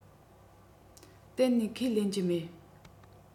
གཏན ནས ཁས ལེན གྱི མེད